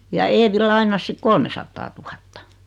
ja Eevi lainasi sitten kolmesataatuhatta